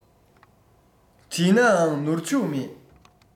བྲིས ནའང ནོར འཕྱུགས མེད